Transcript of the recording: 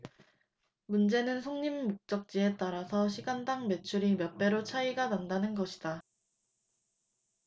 문제는 손님 목적지에 따라서 시간당 매출이 몇 배로 차이가 난다는 것이다